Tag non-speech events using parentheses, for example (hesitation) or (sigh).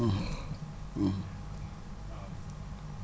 (hesitation) (hesitation)